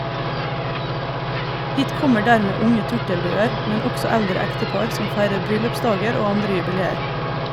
Hit kommer dermed unge turtelduer , men også eldre ektepar som feirer bryllupsdager og andre jubileer.